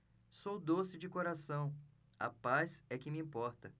sou doce de coração a paz é que me importa